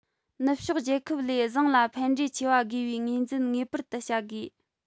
ནུབ ཕྱོགས རྒྱལ ཁབ ལས བཟང ལ ཕན འབྲས ཆེ བ དགོས པའི ངོས འཛིན ངེས པར དུ བྱ དགོས